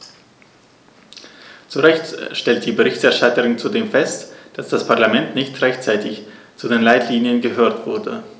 Zu Recht stellt die Berichterstatterin zudem fest, dass das Parlament nicht rechtzeitig zu den Leitlinien gehört wurde.